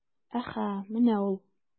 Әһә, менә ул...